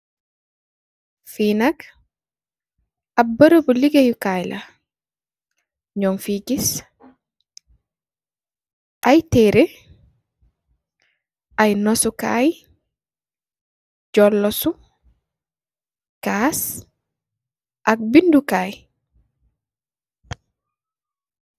Fi nak am berem bu ligayucai la njun fi gis ay tereh ay nosu kai ay jolosu cass ak bindu kai.